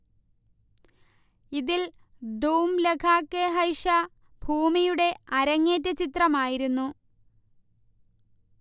ഇതിൽ ധൂം ലഗ കെ ഹൈഷ ഭൂമിയുടെ അരങ്ങേറ്റ ചിത്രമായിരുന്നു